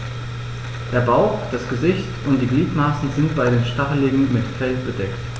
Der Bauch, das Gesicht und die Gliedmaßen sind bei den Stacheligeln mit Fell bedeckt.